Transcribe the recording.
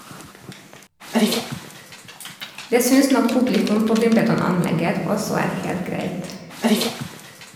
Det syns nok publikum på Wimbledon-anlegget også er helt greit.